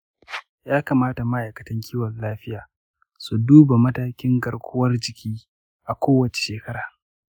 ya kamata ma'aikatan kiwon lafiya su duba matakin garkuwar-jiki a kowace shekara.